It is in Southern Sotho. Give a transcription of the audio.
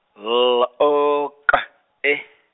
L O K E.